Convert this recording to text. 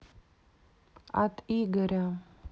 от игоря